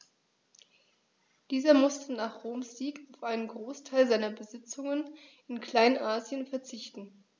Dieser musste nach Roms Sieg auf einen Großteil seiner Besitzungen in Kleinasien verzichten.